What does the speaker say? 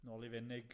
Nôl 'i fenig.